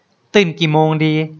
ตื่นกี่โมงดี